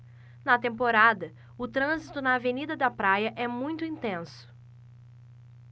na temporada o trânsito na avenida da praia é muito intenso